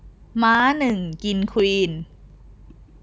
ม้าหนึ่งกินควีน